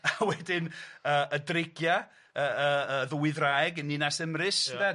A wedyn yy y dreigia y y y ddwy ddraig yn Ninas Emrys ynde? Ia.